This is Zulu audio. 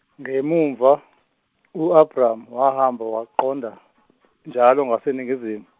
ngemuva u Abram wahamba waqonda njalo ngaseningizimu.